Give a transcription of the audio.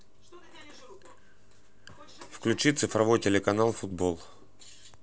включи цифровой телеканал футбол